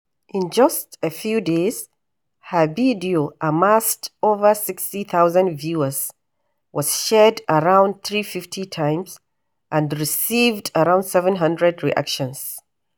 In just a few days, her video amassed over 60 thousand views, was shared around 350 times and received around 700 reactions.